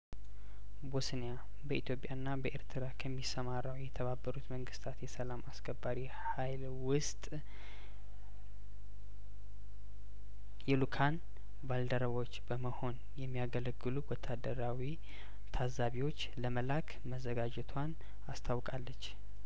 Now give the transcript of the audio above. ቦስኒያበኢትዮጵያ ና በኤርትራ ከሚሰማራው የተባበሩት መንግስታት የሰላም አስከባሪ ሀይል ውስጥ የልኡካን ባልደረቦች በመሆን የሚያገለግሉ ወታደራዊ ታዛቢዎች ለመላክ መዘጋጀቷን አስታውቃለች